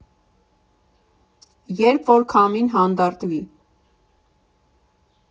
Երբ որ քամին հանդարտվի։